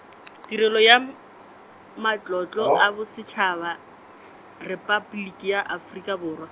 Tirelo ya M-, Matlotlo a Bosetšhaba, Repabliki ya Afrika Borwa.